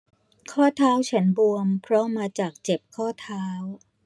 ข้อเท้าฉับบวมเพราะมาจากเจ็บข้อเท้า